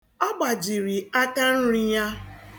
Ọ gbajiri akanri ya.